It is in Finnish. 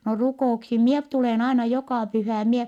no rukouksiin minä - tulen aina joka pyhä en minä